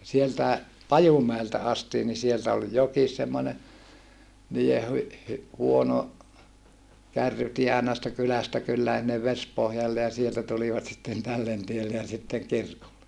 sieltäkin Pajumäeltä asti niin sieltä oli jokin semmoinen niiden -- huono kärrytie aina sitten kylästä kylään sinne Vesipohjalle ja sieltä tulivat sitten tälle tielle ja sitten kirkolle